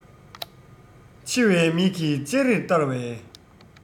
འཆི བའི མིག གིས ཅེ རེར བལྟ བའི